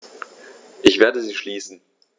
Ich werde sie schließen.